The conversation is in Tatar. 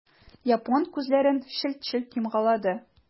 Япон күзләрен челт-челт йомгалады.